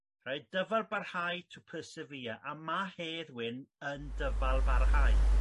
Reit dyfalbarhau to persevere a ma' Hedd Wyn yn dyfalbarhau.